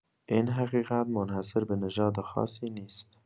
این حقیقت منحصر به نژاد خاصی نیست.